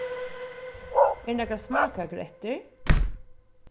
eru nakrar smákakur eftir